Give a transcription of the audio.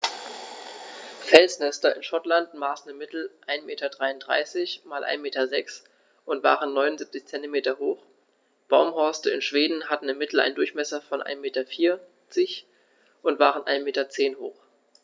Felsnester in Schottland maßen im Mittel 1,33 m x 1,06 m und waren 0,79 m hoch, Baumhorste in Schweden hatten im Mittel einen Durchmesser von 1,4 m und waren 1,1 m hoch.